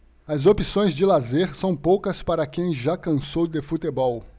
as opções de lazer são poucas para quem já cansou de futebol